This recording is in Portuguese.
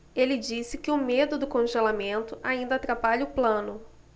ele disse que o medo do congelamento ainda atrapalha o plano